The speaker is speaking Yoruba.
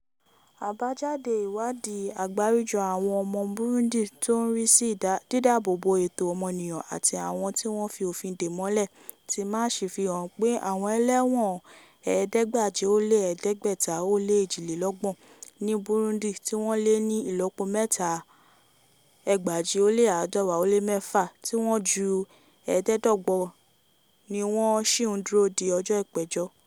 Àbájade ìwádìí Àgbáríjọ àwọn ọmọ Burundi tó ń rí sí dídábòòbo ẹ̀tọ́ ọmọniyàn àti àwọn tí wọ́n fi òfin dè mọ́lẹ̀ (APRODH) ti March fi hàn pé àwọn ẹlẹ́wọ̀n 13,532 ni Burundi, tí wọ́n lé ní ìlọ́po mẹ́ta 4,194; tí wọ́n ju 5,000 ni wọn ṣì ń dúró di ọjọ́ ìpẹ̀jọ́.